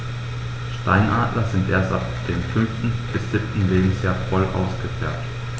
Steinadler sind erst ab dem 5. bis 7. Lebensjahr voll ausgefärbt.